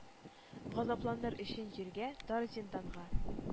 Газапланыр өчен җиргә, тар зинданга.